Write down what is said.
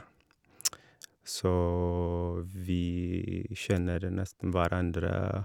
Så vi kjenner nesten hverandre.